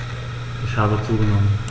Ich habe zugenommen.